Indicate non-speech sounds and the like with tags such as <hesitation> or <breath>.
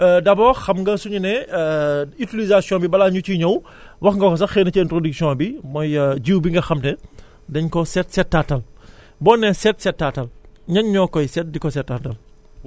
<hesitation> d' abord xam nga su ñu nee <hesitation> utilisation bi balaa ñu ciy ñëw <breath> wax nga ko sax xëy na ci introduction bi mooy jiw bi nga xam ne <breath> dañ ko seet seetaanal <breath> boo nee seet seetaatal ñan ñoo koy seet di ko seetaatal